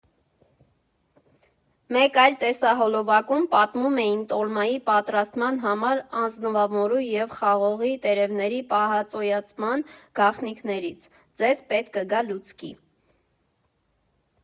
Մեկ այլ տեսահոլովակում պատմում էին տոլմայի պատրաստման համար ազնվամորու և խաղողի տերևների պահածոյացման գաղտնիքներից (ձեզ պետք կգա լուցկի)։